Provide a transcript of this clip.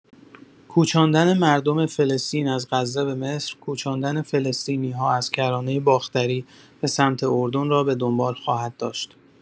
کوچاندن مردم فلسطین از غزه به مصر، کوچاندن فلسطینی‌ها از کرانه باختری به سمت اردن را به دنبال خواهد داشت.